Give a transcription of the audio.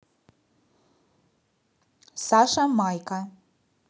саша майка